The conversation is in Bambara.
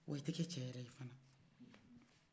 wa i tekɛ cɛ yɛrɛ ye fɔnɔ